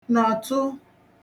nọ̀tụ